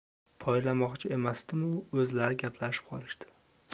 poylamoqchi emasdimu o'zlari gaplashib qolishdi